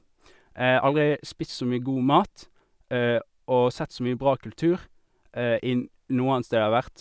Aldri spist så mye god mat og sett så mye bra kultur in noe annet sted jeg har vært.